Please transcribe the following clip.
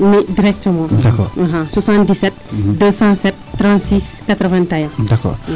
Mi' directement axa 77 2073681.